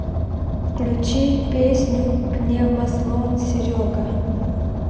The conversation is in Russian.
включи песню пневмослон серега